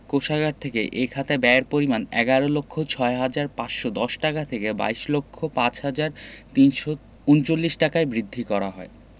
কোষাগার থেকে এ খাতে ব্যয়ের পরিমাণ ১১ লক্ষ ৬ হাজার ৫১০ টাকা থেকে ২২ লক্ষ ৫ হাজার ৩৩৯ টাকায় বৃদ্ধি করা হয়